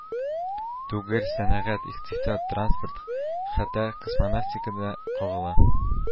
Түгел, сәнәгать, икътисад, транспорт, хәтта космонавтикага да кагыла